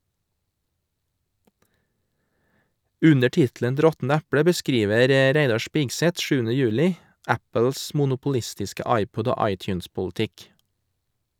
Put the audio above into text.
Under tittelen "Et råttent eple" beskriver Reidar Spigseth sjuende juli Apples monopolistiske iPod- og iTunes-politikk.